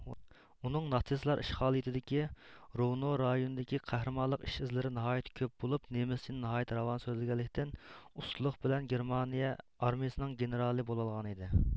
ئۇنىڭ ناتسىستلار ئىشغالىيىتىدىكى روۋنو رايونىدىكى قەھرىمانلىق ئىش ئىزلىرى ناھايىتى كۆپ بولۇپ نېمىسچىنى ناھايىتى راۋان سۆزلىگەنلىكتىن ئۇستىلىق بىلەن گېرمانىيە ئارمىيىسىنىڭ گېنىرالى بولۇۋالغانىدى